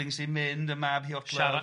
sy'n mynd yn mab